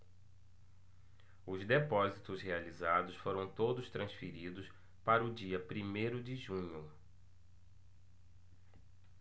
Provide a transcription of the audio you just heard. os depósitos realizados foram todos transferidos para o dia primeiro de junho